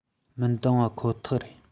མི འདང བ ཁོ ཐག རེད